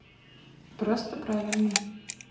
просто правильно